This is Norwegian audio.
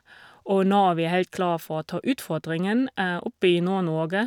Og nå er vi helt klar for å ta utfordringen oppe i Nord-Norge.